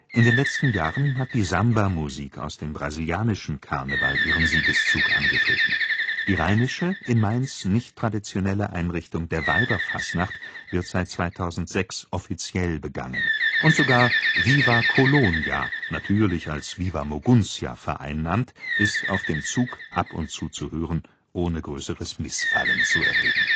In den letzten Jahren hat die Samba-Musik aus dem Brasilianischen Karneval ihren Siegeszug angetreten. Die rheinische, in Mainz nicht traditionelle Einrichtung der Weiberfastnacht wird seit 2006 „ offiziell “begangen. Und sogar „ Viva Colonia “– natürlich als „ Viva Moguntia “vereinnahmt – ist auf dem Zug ab und zu zu hören, ohne größeres Missfallen zu erregen